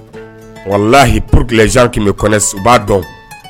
Walahi pou les gens qui me connaissent u b'a dɔn